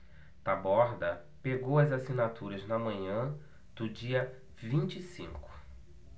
taborda pegou as assinaturas na manhã do dia vinte e cinco